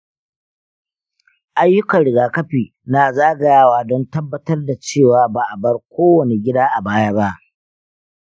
ayyukan rigakafi na zagayawa don tabbatar da cewa ba a bar kowane gida a baya ba.